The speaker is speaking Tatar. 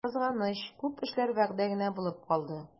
Кызганыч, күп эшләр вәгъдә генә булып калды.